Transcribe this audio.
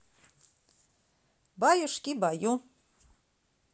баюшки баю